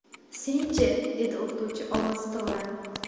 sen chi dedi o'qituvchi ovozi tovlanib